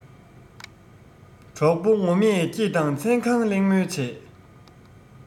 གྲོགས པོ ངོ མས ཁྱེད དང མཚན གང གླེང མོལ བྱས